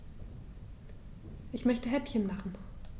Ich möchte Häppchen machen.